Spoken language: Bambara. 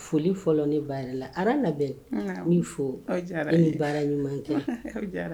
Foli fɔlɔ ni baara la ala labɛn fɔ baara ɲuman kɛ